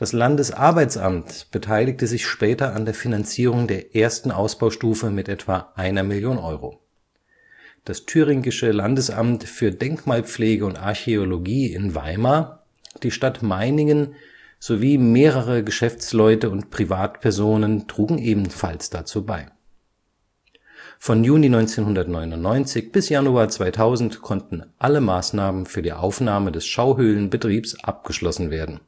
Landesarbeitsamt beteiligte sich später an der Finanzierung der ersten Ausbaustufe mit etwa einer Million Euro. Das Thüringische Landesamt für Denkmalpflege und Archäologie in Weimar, die Stadt Meiningen sowie mehrere Geschäftsleute und Privatpersonen trugen ebenfalls dazu bei. Von Juni 1999 bis Januar 2000 konnten alle Maßnahmen für die Aufnahme des Schauhöhlenbetriebs abgeschlossen werden